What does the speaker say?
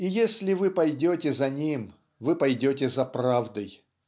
); и если вы пойдете за ним, вы пойдете за правдой.